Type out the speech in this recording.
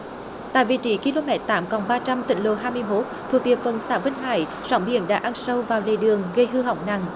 tại vị trí ki lô mét tám cộng ba trăm tỉnh lộ hai mươi mốt thuộc địa phận xã vân hải sóng biển đã ăn sâu vào lề đường gây hư hỏng nặng